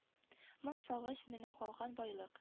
Моң сагыш менә калган байлык